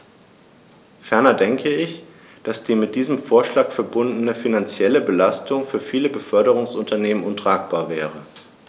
Ferner denke ich, dass die mit diesem Vorschlag verbundene finanzielle Belastung für viele Beförderungsunternehmen untragbar wäre.